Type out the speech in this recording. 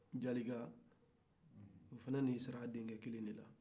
jalika o fana y'i sara denkɛ kelen de la